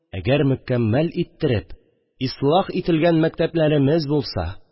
Әгәр мөкәммәл иттереп ислах ителгән мәктәпләремез булса